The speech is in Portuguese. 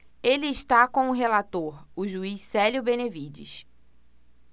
ele está com o relator o juiz célio benevides